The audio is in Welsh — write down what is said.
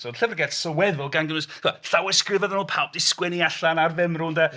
So llyfrgell sylweddol gan gynnwys llawysgrifau oedd pawb 'di sgwennu allan ar femrwn 'de.